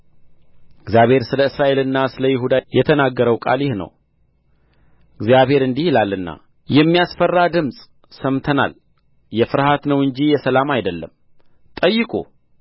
እግዚአብሔር ስለ እስራኤልና ስለ ይሁዳ የተናገረው ቃል ይህ ነው እግዚአብሔር እንዲህ ይላልና የሚያስፈራ ድምፅ ሰምተናል የፍርሃት ነው እንጂ የሰላም አይደለም ጠይቁ